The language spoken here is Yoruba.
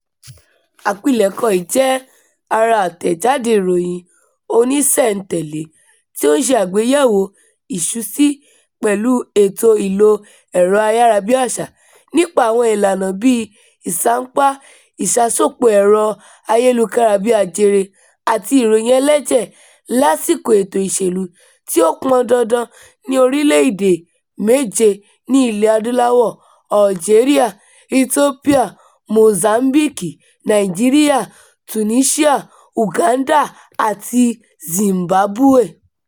Àpilẹ̀kọ yìí jẹ́ ara àtẹ̀jádé ìròyìn oníṣísẹ̀ntẹ̀lé tí ó ń ṣe àgbéyẹ̀wò ìṣúsí pẹ̀lú ẹ̀tọ́ ìlò ẹ̀rọ-ayárabíàṣá nípa àwọn ìlànà bíi ìṣánpa ìṣàsopọ̀ ẹ̀rọ ayélukára-bí-ajere àti ìròyìn ẹlẹ́jẹ̀ lásìkò ètò ìṣèlú tí ó pọn dandan ní orílẹ̀-èdè méje ní Ilẹ̀-Adúláwọ̀: Algeria, Ethiopia, Mozambique, Nàìjíríà, Tunisia, Uganda, àti Zimbabwe.